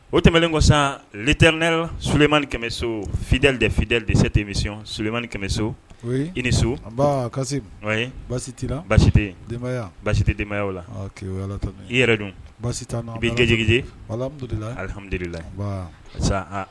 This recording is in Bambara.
O tɛmɛnenlen ko sisan t n ne solemamani kɛmɛ so fidli de fitdli desɛtemi solemani kɛmɛso i ni so basi basi basi tɛbayaya la i yɛrɛ don basi binj alimlila sisan